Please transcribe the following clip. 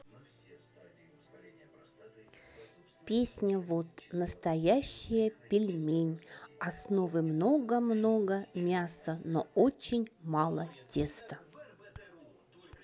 песня вот настоящая пельмень основы много много мяса но очень мало теста